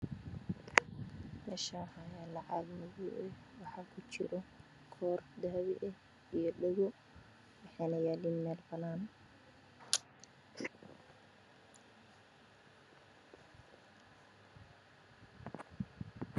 Waa badalo midabkiisa yahay madow waxaa ku jira katirsan midabkiisu yahay dahabi dhalo ayaa ka dambeysa